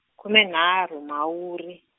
khume nharhu Mhawuri.